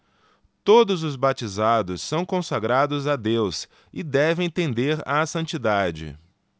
todos os batizados são consagrados a deus e devem tender à santidade